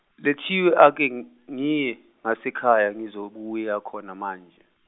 lethiwe ake n-, ngiye ngasekhaya ngizobuya khona manje.